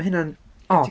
Mae hynna'n od.